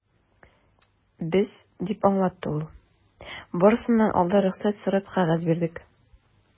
Без, - дип аңлатты ул, - барысыннан алда рөхсәт сорап кәгазь бирдек.